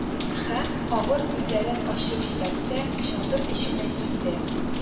Һәм, авыр күзләрен ачып җибәрсә, чатыр эченең инде